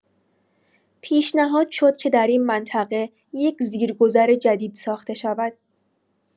پیشنهاد شد که در این منطقه یک زیرگذر جدید ساخته شود.